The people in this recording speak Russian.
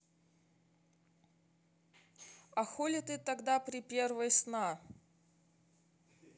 а хули ты тогда при первой сна